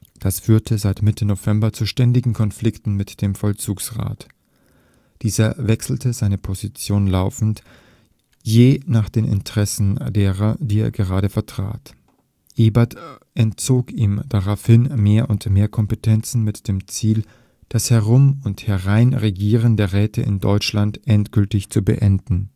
Das führte seit Mitte November zu ständigen Konflikten mit dem Vollzugsrat. Dieser wechselte seine Position laufend, je nach den Interessen derer, die er gerade vertrat. Ebert entzog ihm daraufhin mehr und mehr Kompetenzen mit dem Ziel, das „ Herum - und Hereinregieren der Räte in Deutschland “endgültig zu beenden